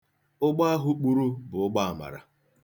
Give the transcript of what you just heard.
Ụgbọ ahụ kpuru bụ ụgbọamara.